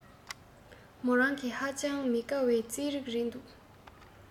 མོ རང གི ཧ ཅང མི དགའ བའི རྩིས རིགས རེད འདུག